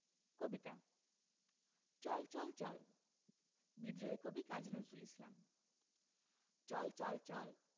কবিতা চল চল চল বিদ্রোহী কবি কাজী নজরুল ইসলাম চল চল চল